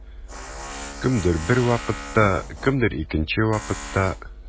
Кемдер бер вакытта, кемдер икенче вакытта.